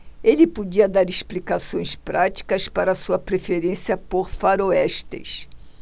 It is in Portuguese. ele podia dar explicações práticas para sua preferência por faroestes